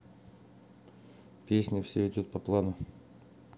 песня все идет по плану